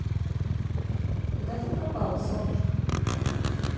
куда ты пропала солнышко